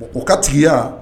U ka tigiya